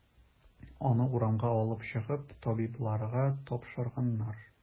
Аны урамга алып чыгып, табибларга тапшырганнар.